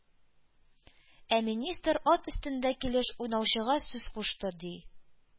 Ә министр, ат өстендә килеш, уйнаучыга сүз кушты, ди: